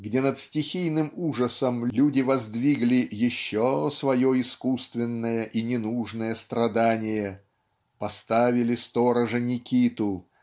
где над стихийным ужасом люди воздвигли еще свое искусственное и ненужное страдание поставили сторожа Никиту